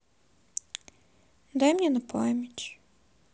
дай мне на память